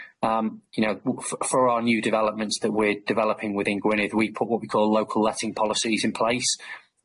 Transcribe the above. Yym you know w- f- for our new developments that we're developing within Gwynedd we put what we call local letting policies in place,